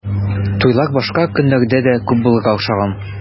Туйлар башка көннәрдә дә күп булырга охшаган.